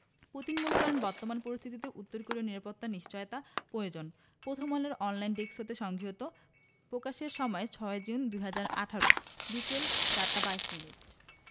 Putin মনে করেন বর্তমান পরিস্থিতিতে উত্তর কোরিয়ার নিরাপত্তার নিশ্চয়তা প্রয়োজন প্রথমআলোর অনলাইন ডেস্ক হতে সংগৃহীত প্রকাশের সময় ৬জুন ২০১৮ বিকেল ৪টা ২২ মিনিট